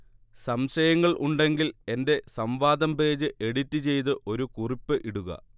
സംശയങ്ങൾ ഉണ്ടെങ്കിൽ എന്റെ സംവാദം പേജ് എഡിറ്റ് ചെയ്ത് ഒരു കുറിപ്പ് ഇടുക